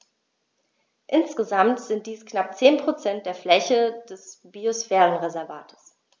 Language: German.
Insgesamt sind dies knapp 10 % der Fläche des Biosphärenreservates.